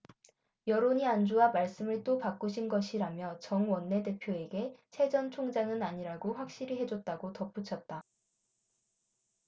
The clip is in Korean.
여론이 안 좋아 말씀을 또 바꾸신 것이라며 정 원내대표에게 채 전 총장은 아니라고 확실히 해줬다고 덧붙였다